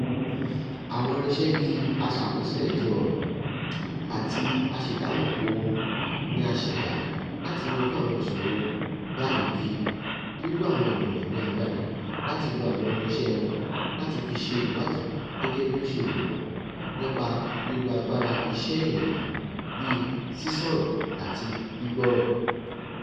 Àwọn irinṣẹ́ bí i asọ-àkọsílẹ̀- di ọ̀rọ̀ àti aṣèdámọ̀ ohun ni a ṣèdá láti yanjú àwọn ìsòro báyìí bí i: ríró àwọn ènìyan ní agbára láti lo àwọn irinṣẹ́ wọn láti fi ṣe ìwádìí gẹ́gẹ́ bí ó ṣe wù wọ́n, nípa lílo agbára-iṣẹ́ ènìyàn bí i sísọ̀rọ̀ àti gbígbọ́rọ̀.